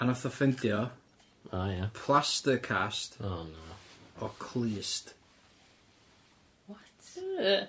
a nath o ffindio... O ia. ...plaster cast... O na! ...o clust. What? Yy.